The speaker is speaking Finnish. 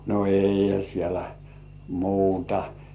no eihän siellä muuta